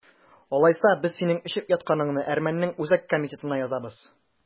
Алайса, без синең эчеп ятканыңны әрмәннең үзәк комитетына язабыз!